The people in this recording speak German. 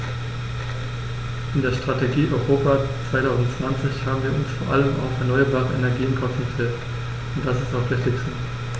In der Strategie Europa 2020 haben wir uns vor allem auf erneuerbare Energien konzentriert, und das ist auch richtig so.